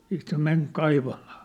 sitten se meni kaivamaan